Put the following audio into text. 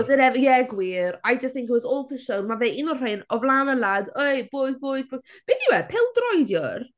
Was it ever... Ie gwir I just think it was all for show. Mae fe un o'r rhein o flaen y lads "Ey boys boys b-" Beth yw e? Peldroediwr?